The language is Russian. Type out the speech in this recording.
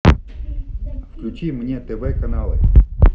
включи мне тв каналы